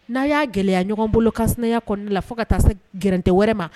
N'a y'a gɛlɛya ɲɔgɔn bolo kasya kɔnɔna la fo ka taa se gɛrɛtɛ wɛrɛ ma